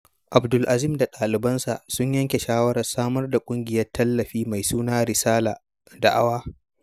Abdel-Azim da ɗalibansa sun yanke shawarar samar da ƙungiyar tallafi mai suna Resala ( Da'awa).